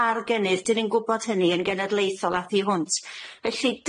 ar gynnydd 'dyn ni'n gwbod hynny yn genedlaethol a thu hwnt felly